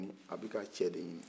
a bi ka cɛ de ɲini